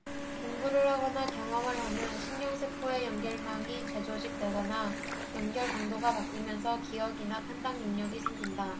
공부를 하거나 경험을 하면 신경세포의 연결망이 재조직되거나 연결 강도가 바뀌면서 기억이나 판단 능력이 생긴다